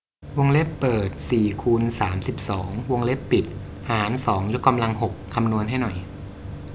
วงเล็บเปิดสี่คูณสามสิบสองวงเล็บปิดหารสองยกกำลังหกคำนวณให้หน่อย